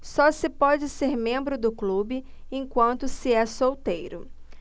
só se pode ser membro do clube enquanto se é solteiro